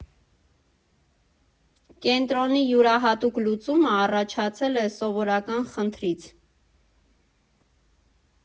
Կենտրոնի յուրահատուկ լուծումը առաջացել է սովորական խնդրից։